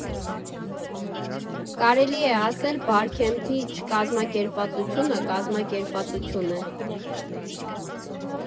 Կարելի է ասել՝ Բարքեմփի չկազմակերպվածությունը կազմակերպվածություն է։